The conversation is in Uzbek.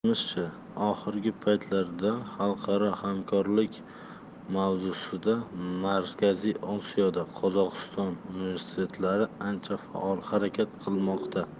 kuzatishimcha oxirgi paytlarda xalqaro hamkorlik mavzusida markaziy osiyoda qozog'iston universitetlari ancha faol harakat qilishmoqda